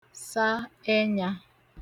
sa ẹnyā